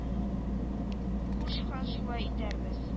Хуш хан шулай итәрбез